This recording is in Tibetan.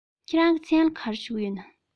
ཁྱེད རང གི མཚན ལ ག རེ ཞུ གི ཡོད